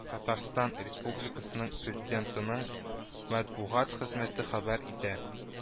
Татарстан республикасының Президентының матбугат хезмәте хәбәр итә